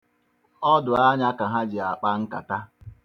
Ha ji ọdụanya akpa nkata.